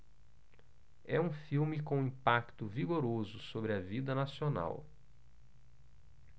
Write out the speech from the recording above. é um filme com um impacto vigoroso sobre a vida nacional